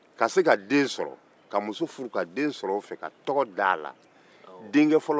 ka se ka muso furu ka den sɔrɔ ka tɔgɔ da a la